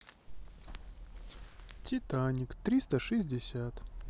титаник триста шестьдесят